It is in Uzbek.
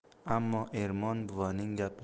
ammo ermon buvaning